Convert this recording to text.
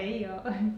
ei ole